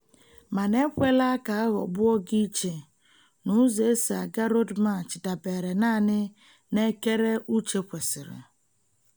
Mana ekwela ka a ghọgbuo gị iche na ụzọ e si aga Road March dabeere naanị n'ekere uche kwesịrị.